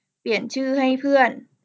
เปลี่ยนชื่อให้เพื่อน